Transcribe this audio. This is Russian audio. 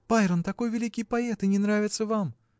– Байрон такой великий поэт – и не нравится вам!